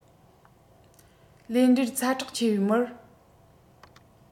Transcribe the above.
ལས བྲེལ ཚ དྲག ཆེ བའི མིར